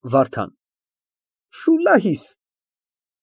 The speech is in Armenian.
ՎԱՐԴԱՆ ֊ Շուլլահիս։